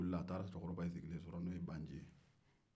a wulila a taara cɛkɔrɔba in sigilen sɔrɔ n'o ye baa nci ye